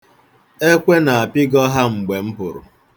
Ekwe na-apịgọ ha mgbe m pụrụ.